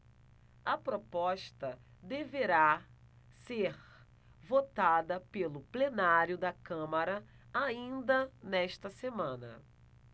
a proposta deverá ser votada pelo plenário da câmara ainda nesta semana